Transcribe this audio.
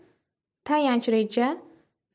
tayanch reja